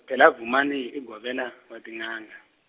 phela Vhumani i govela, wa tinanga.